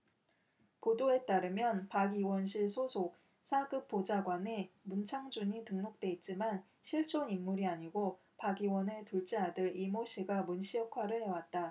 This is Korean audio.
보도에 따르면 박 의원실 소속 사 급 보좌관에 문창준이 등록돼 있지만 실존 인물이 아니고 박 의원의 둘째 아들 이모 씨가 문씨 역할을 해왔다